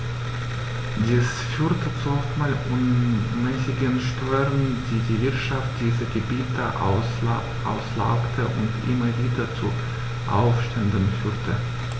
Dies führte zu oftmals unmäßigen Steuern, die die Wirtschaft dieser Gebiete auslaugte und immer wieder zu Aufständen führte.